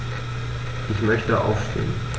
Ich möchte aufstehen.